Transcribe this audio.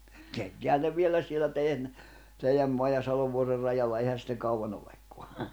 keittäähän ne vielä siellä teidän teidän maan ja Salovuoren rajalla eihän sitten kauan olekaan